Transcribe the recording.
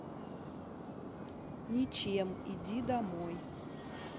ничем иди домой